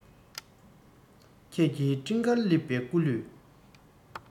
ཁྱེད ཀྱི སྤྲིན དཀར བཀླུབས པའི སྐུ ལུས